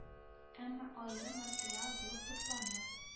Әмма аерым материал булып тупланыр